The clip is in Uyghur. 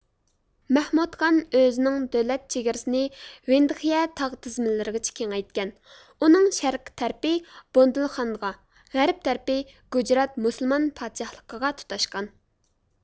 مەھمۇدخان ئۆزىنىڭ دۆلەت چېگرىسىنى ۋىندخىيە تاغ تىزمىلىرىغىچە كېڭەيتكەن ئۇنىڭ شەرقىي تەرىپى بوندېلخاندغا غەرپ تەرىپى گۇجرات مۇسۇلمان پادىشاھلىقىغا تۇتاشقان